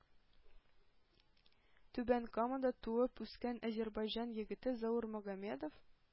Түбән Камада туып-үскән әзербайҗан егете Заур Магомедов